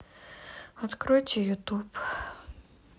откройте ютуб